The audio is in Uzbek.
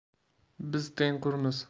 biz tengqurmiz